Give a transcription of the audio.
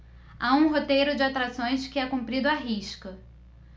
há um roteiro de atrações que é cumprido à risca